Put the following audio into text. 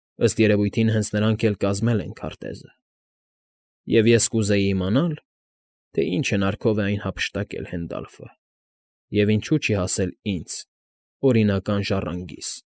Ըստ երևույթին հենց նրանք էլ կազմել են քարտեզը, և ես կուզեի իմանալ, թե ինչ հնարքով է այն հափշտակել Հենդալֆը, և ինչու չի հասել ինձ՝ օրինական ժառանգիս։ ֊